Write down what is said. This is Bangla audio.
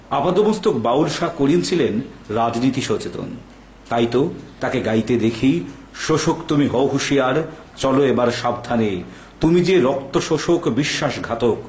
আপাদমস্তক বাউল শাহ করিম ছিলেন রাজনীতি সচেতন তাইতো তাকে গাইতে দেখি শোষক তুমি হও হুশিয়ার চলো এবার সাবধানে তুমি যে রক্ত শোষক বিশ্বাসঘাতক